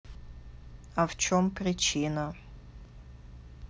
а в чем причина